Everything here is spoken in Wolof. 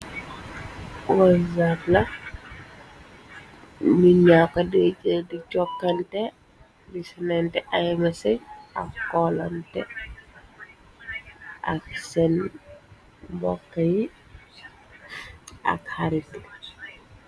Whatsapp la, nit ña ko deggël di jokkante, di senente ay mésej, ak xoolante, ak seen mbokk yi ak harit.